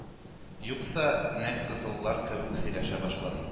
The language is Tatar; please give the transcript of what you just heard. Юкса, нәкъ кызыллар кебек сөйләшә башладың